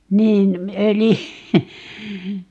niin öljy